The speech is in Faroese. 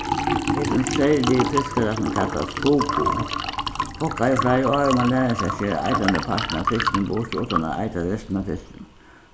hesin serligi fiskarætturin kallast fugu kokkar eru fleiri ár um at læra seg at skera eitrandi partin av fiskinum burtur uttan at eitra restina av fiskinum